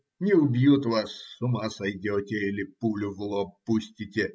Не убьют вас - с ума сойдете или пулю в лоб пустите.